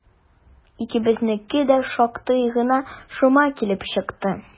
Икебезнеке дә шактый гына шома килеп чыкты.